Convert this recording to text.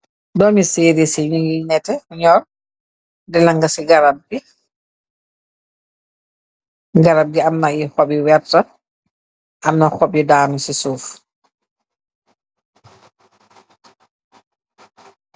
Doomi séeri ci ñu ngi nete, ñoor, dilanga ci garab bi. Garab bi amna yi xob yi werto amna xob yu daanu ci suuf.